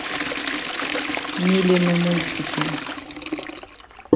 милины мультики